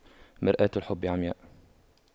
مرآة الحب عمياء